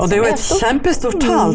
og det er jo et kjempestort tall.